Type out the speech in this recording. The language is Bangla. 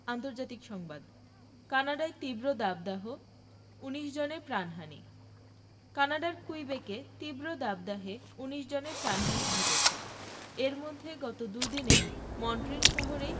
আন্তর্জাতিক সংবাদ কানাডায় তীব্র দাবদাহ ১৯ জনের প্রাণহানি কানাডার কুইবেকে তীব্র দাবদাহে ১৯ জনের প্রাণহানি ঘটেছে এর মধ্যে গত দুদিনে মন্ট্রিল শহরেই